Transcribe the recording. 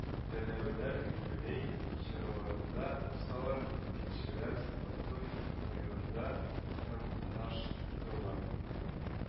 Берәүләр юбилей чараларында булсалар, икенчеләр Сабантуй уйннарында катнаштылар